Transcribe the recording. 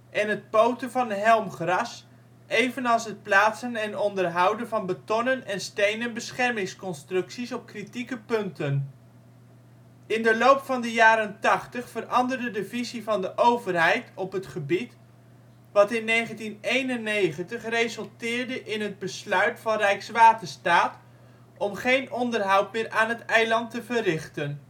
en het poten van helmgras, evenals het plaatsen en onderhouden van betonnen en stenen beschermingsconstructies op kritieke punten. In de loop van de jaren 80 veranderde de visie van de overheid op het gebied, wat in 1991 resulteerde in het besluit van Rijkswaterstaat om geen onderhoud meer aan het eiland te verrichten